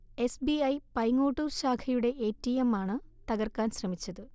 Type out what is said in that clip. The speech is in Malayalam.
എസ് ബി ഐ പൈങ്ങോട്ടൂർ ശാഖയുടെ എ ടി എമ്മാണ് തകർക്കാൻ ശ്രമിച്ചത്